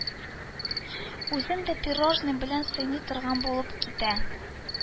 Үзен дә пирожный белән сыйлый торган булып китә